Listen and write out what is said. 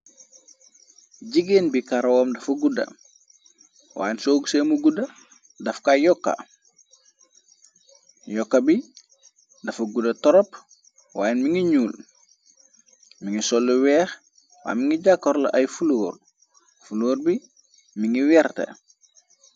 Jigéen bi karawaom dafa gudda waayen soogu seemu gudda daf kay yokka yokka bi dafa gudda torop waayen mi ngi ñuul mi ngi sollu weex way mi ngi jàkkorla ay fuloor fuloor bi mi ngi weerte.